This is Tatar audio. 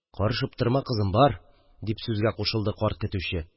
– карышып торма, кызым, бар, – дип сүзгә кушылды карт көтүче.